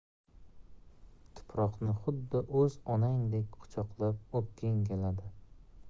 tuproqni xuddi o'z onangdek quchoqlab o'pging keladi